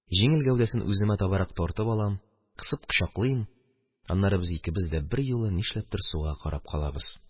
Җиңел гәүдәсен үземә табарак тартып алам, кысып кочаклыйм, аннары без икебез дә берьюлы нишләптер суга карап калабыз...